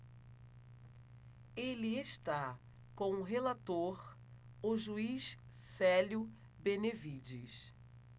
ele está com o relator o juiz célio benevides